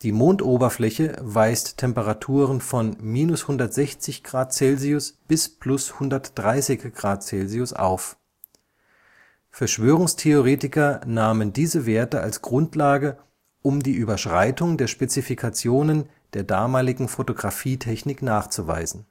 Mondoberfläche weist Temperaturen von −160 °C bis +130 °C auf. Verschwörungstheoretiker nahmen diese Werte als Grundlage, um die Überschreitung der Spezifikationen der damaligen Fotografietechnik nachzuweisen